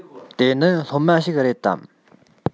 དེ ནི སློབ མ ཞིག རེད དམ